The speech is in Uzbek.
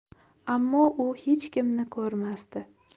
ammo u hech kimni ko'rmasdi